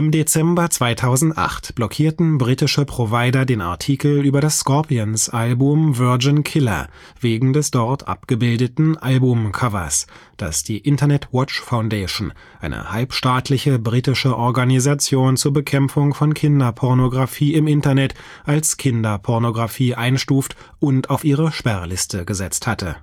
Dezember 2008 blockierten britische Provider den Artikel über das Scorpions-Album Virgin Killer wegen des dort abgebildeten Album-Covers, das die Internet Watch Foundation, eine halbstaatliche britische Organisation zur Bekämpfung von Kinderpornografie im Internet, als Kinderpornografie eingestuft und auf ihre Sperrliste gesetzt hatte